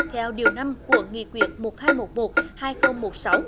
theo điều năm của nghị quyết một hai một một hai không một sáu